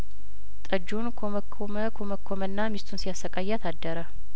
ጠጁን ኰመኰመ ኰመኰመና ሚስቱን ሲያሰቃያት አደረ